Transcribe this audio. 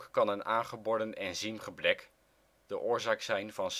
kan een aangeboren enzymgebrek de oorzaak zijn van